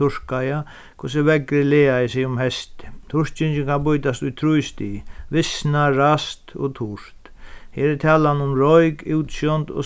turkaða hvussu veðrið lagaði seg um heystið turkingin kann býtast í trý stig visnað ræst og turt her er talan um royk útsjónd og